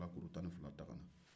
cɛkala kuru tan ni fila kari ka na